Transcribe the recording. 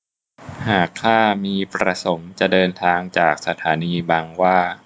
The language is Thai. หากข้ามีประสงค์จะเดินทางจากสถานีบางหว้า